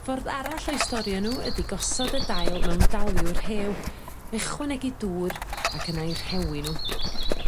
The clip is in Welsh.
ffordd arall o'u storio n'w ydi gosod y dail mewn daliwr rhew ychwanegu dŵr ac yna'u rhewi n'w.